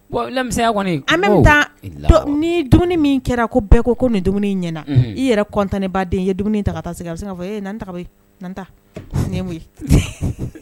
Miya kɔni an bɛ taa ni dumuni min kɛra ko bɛɛ ko ko nin dumuni ɲɛna i yɛrɛ kɔntan ne ba den ye dumuni ta taa se bɛ se e ye